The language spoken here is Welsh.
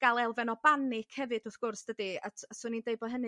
ga'l elfen o banic hefyd wrth gwrs dydi? A 'swn i'n deud bo' hynny